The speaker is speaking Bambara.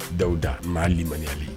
Dawuda maa limaniyalen